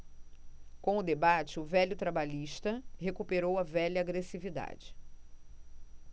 com o debate o velho trabalhista recuperou a velha agressividade